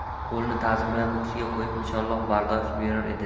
u qo'lini tazim bilan ko'ksiga qo'yib inshoollo bardosh berur dedi